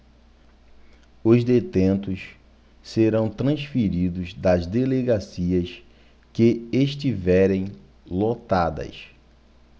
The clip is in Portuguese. os detentos serão transferidos das delegacias que estiverem lotadas